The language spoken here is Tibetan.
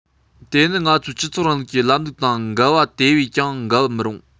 དེ ནི ང ཚོའི སྤྱི ཚོགས རིང ལུགས ཀྱི ལམ ལུགས དང འགལ བ དེ བས ཀྱང འགལ མི རུང